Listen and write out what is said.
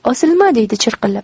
osilma deydi chirqillab